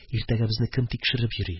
Иртәгә безне кем тикшереп йөри?